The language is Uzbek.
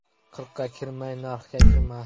qirqqa kirmay narxga kirmas